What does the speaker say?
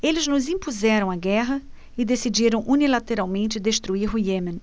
eles nos impuseram a guerra e decidiram unilateralmente destruir o iêmen